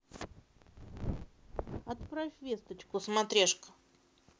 отправь весточку смотрешка